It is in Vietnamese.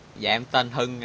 dạ em tên hưng